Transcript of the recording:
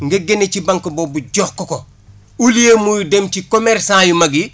nga génnee ci banque boobu jox ko ko au lieu muy dem ci commerçant yu mag yi